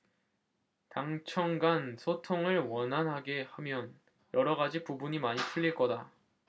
당청간 소통을 원만하게 하면 여러가지 부분이 많이 풀릴거다